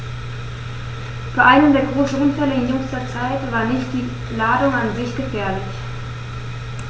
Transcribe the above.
Bei einem der großen Unfälle in jüngster Zeit war nicht die Ladung an sich gefährlich.